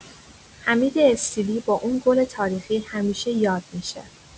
حمید استیلی با اون گل تاریخی همیشه یاد می‌شه.